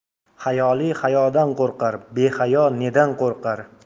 hayoli hayodan qo'rqar behayo nedan qo'rqar